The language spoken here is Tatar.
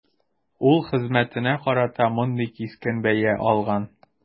Үз хезмәтенә карата мондый кискен бәя алган.